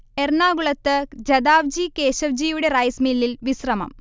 എറണാകുളത്ത് ജദാവ്ജി കേശവ്ജിയുടെ റൈസ് മില്ലിൽ വിശ്രമം